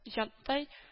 Җантай